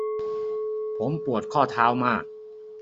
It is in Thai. ผมปวดข้อเท้ามาก